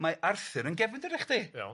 Mae Arthur yn gefndir i chdi. Iawn.